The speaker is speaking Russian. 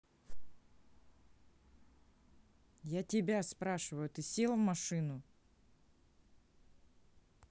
я тебя спрашиваю ты сел в машину